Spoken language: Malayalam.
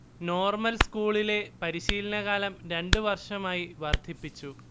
നോർമൽ സ്കൂളിലെ പരിശീലനകാലം രണ്ടു വർഷമായി വർധിപ്പിച്ചു